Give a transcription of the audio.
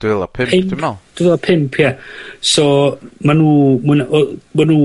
Dwy fil a pump... ...pump. ...dwi me'wl. Dwy fil a pump ie. So ma' nw mwy na yy ma' nw